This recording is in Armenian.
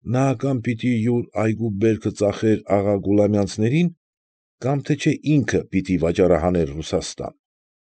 Նա կամ պիտի յուր այգու բերքը ծախեր աղա Գուլամյանցներին, կամ թե չէ ինքը պիտի վաճառահաներ Ռուսաստան։